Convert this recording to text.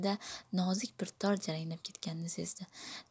nozik bir tor jaranglab ketganini sezdi